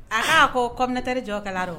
Aa a ko komtare jɔ kala dɔn